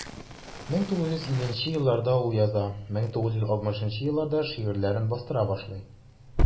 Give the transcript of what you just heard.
1950 елларда ул яза, 1960 елларда шигырьләрен бастыра башлый.